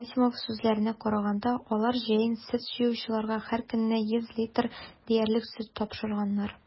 Ольга Герасимова сүзләренә караганда, алар җәен сөт җыючыларга һәркөнне 100 литр диярлек сөт тапшырганнар.